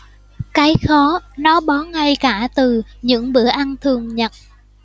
cái khó nó bó ngay cả từ những bữa ăn thường nhật